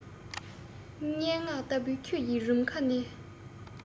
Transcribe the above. སྙན ངག ལྟ བུའི ཁྱོད ཀྱི རུམ ཁ ནས